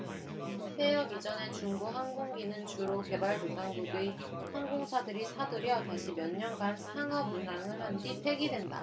퇴역 이전의 중고 항공기는 주로 개발도상국의 항공사들이 사들여 다시 몇년간 상업운항을 한 뒤 폐기된다